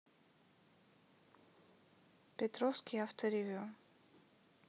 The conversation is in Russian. петровский авторевю